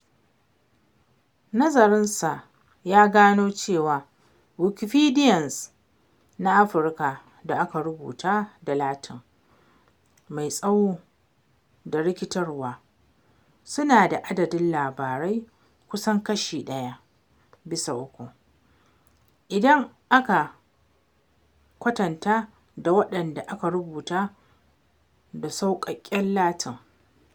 Nazarin sa ya gano cewa Wikipedias na Afrika da aka rubuta da Latin mai tsawo da rikitarwa suna da adadin labarai kusan kashi ɗaya bisa uku idan aka kwatanta da waɗanda aka rubuta da sauƙaƙƙen Latin.